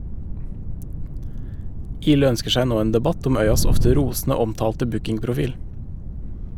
Ihle ønsker seg nå en debatt om Øyas ofte rosende omtalte bookingprofil.